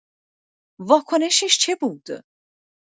واکنشش چه بود؟